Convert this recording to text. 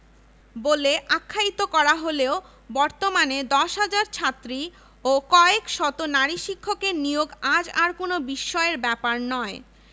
S K De A K Nazmul Karim Ahmad Sharif Nilima Ibrahim শিল্পাচার্য Zainul Abedin Abdur Razzaq M R Tarafdar প্রমুখ